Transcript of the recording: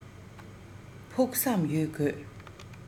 ཕུགས བསམ ཡོད དགོས